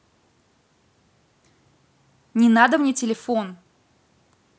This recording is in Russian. не надо мне телефон